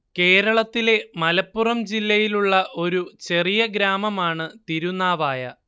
കേരളത്തിലെ മലപ്പുറം ജില്ലയിലുള്ള ഒരു ചെറിയ ഗ്രാമമാണ് തിരുനാവായ